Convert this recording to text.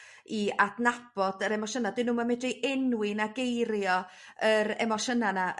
i adnabod yr emosiyna 'dyn nhw'm yn medru enwi na geirio yr emosiyna 'na